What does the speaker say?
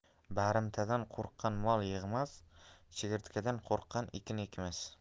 barimtadan qo'rqqan mol yig'mas chigirtkadan qo'rqqan ekin ekmas